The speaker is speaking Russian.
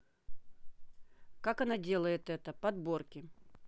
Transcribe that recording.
как она делает это подборки